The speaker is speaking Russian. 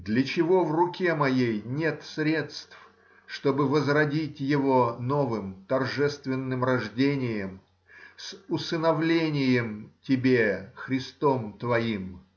Для чего в руке моей нет средств, чтобы возродить его новым торжественным рождением с усыновлением тебе Христом твоим?